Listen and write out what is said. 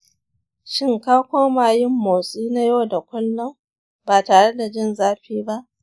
shin ka koma yin motsi na yau da kullum ba tare da jin zafi ba?